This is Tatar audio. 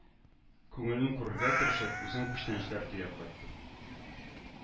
Күңелен күрергә тырышып, үзем күчтәнәчләр төяп кайтам